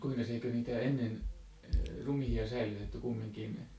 kuinkas eikö niitä ennen ruumiita säilytetty kumminkin